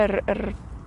yr yr